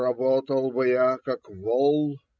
Работал бы я, как вол.